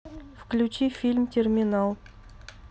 включи фильм терминал